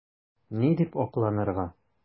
Ни дип акланырга?